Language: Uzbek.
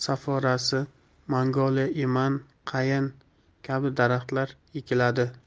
soforasi magnoliya eman qayin kabi daraxtlar ekiladi